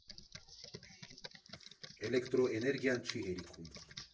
Էլեկտրոէներգիան չի հերիքում։